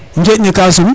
njeƴ ne ka sum